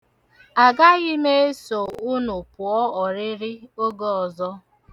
Agaghị m eso unu pụọ ọrịrị oge ọzọ.